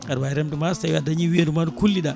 aɗa wawi remde maaro so tawi a dañi weedu ma ndu kulli ɗa